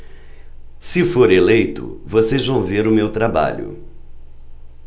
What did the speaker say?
se for eleito vocês vão ver o meu trabalho